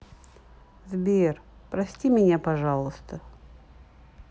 сбер прости меня пожалуйста